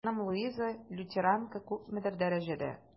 Хатыным Луиза, лютеранка, күпмедер дәрәҗәдә...